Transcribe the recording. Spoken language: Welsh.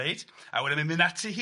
Reit a wedyn mae'n mynd ati hi